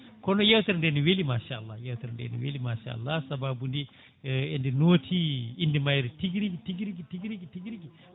kono yewtere nde ne weeli machallah yewtere nde weeli machallah sababude e nde nooti inde mayre tiguirigui tiguirigui tiguirigui tiguirigui